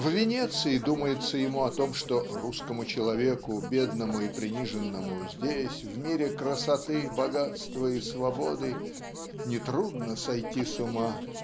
в Венеции думается ему о том что "русскому человеку бедному и приниженному здесь в мире красоты богатства и свободы не трудно сойти с ума"